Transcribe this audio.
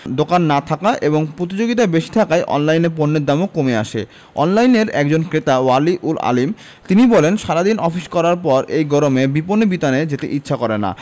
দোকান না থাকা এবং প্রতিযোগিতা বেশি থাকায় অনলাইনে পণ্যের দামও কমে আসে অনলাইনের একজন ক্রেতা ওয়ালি উল আলীম তিনি বলেন সারা দিন অফিস করার পর এই গরমে বিপণিবিতানে যেতে ইচ্ছে করে না